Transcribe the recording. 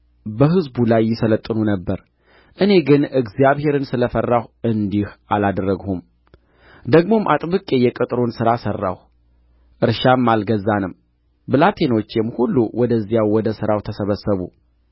በሕዝቡ ላይ ይሠለጥኑ ነበር እኔ ግን እግዚአብሔርን ስለ ፈራሁ እንዲህ አላደረግሁም ደግሞም አጥብቄ የቅጥሩን ሥራ ሠራሁ እርሻም አልገዛንም ብላቴኖቼም ሁሉ ወደዚያው ወደ ሥራው ተሰበሰቡ